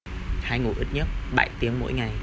hãy ngủ ít nhất bảy tiếng mỗi ngày